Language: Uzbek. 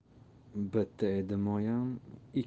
bitta edi moyam